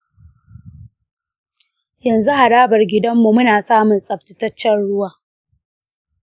yanzu harabar gidanmu muna samun tsaftataccen ruwa.